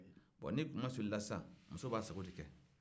wa n'i kunmasulila sisan muso b'a sago de kɛ